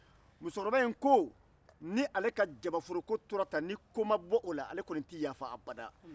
musokɔrɔba iin ko ni ale ka jabaforo ko tora tan ni ko ma bɔ a la ale tɛ yaafa